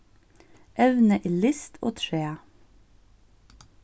evnið er list og træ